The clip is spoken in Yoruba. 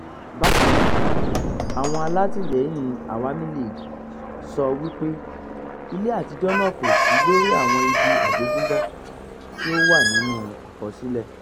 Bákan náà àwọn alátìlẹ́yìn AL sọ wípé ilé àtijọ́ náà kò sí lóríi àwọn ibi àjogúnbá tí ó wà nínú àkọsílẹ̀.